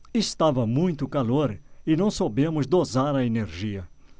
estava muito calor e não soubemos dosar a energia